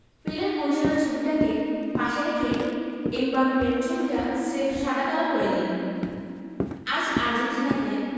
পেলের কৈশোরের ছবিটাকে পাশে রেখে এমবাপ্পের ছবিটা স্রেফ সাদা কালো করে দিন আজ আর্জেন্টিনাকে